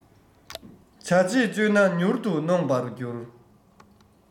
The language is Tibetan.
བྱ བྱེད བཅོལ ན མྱུར དུ ནོངས པར འགྱུར